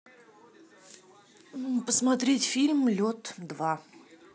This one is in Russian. посмотреть фильм лед два